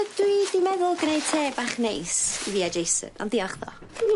Yy dwi di meddwl gneud te bach neis i fi a Jason ond diolch ddo.